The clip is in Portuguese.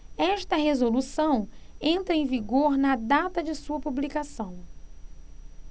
esta resolução entra em vigor na data de sua publicação